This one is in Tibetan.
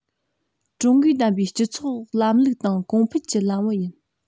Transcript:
ཀྲུང གོས བདམས པའི སྤྱི ཚོགས ལམ ལུགས དང གོང འཕེལ གྱི ལམ བུ ཡིན